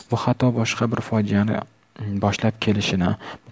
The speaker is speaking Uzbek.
bu xato boshqa hir fojiani boshlab kelishini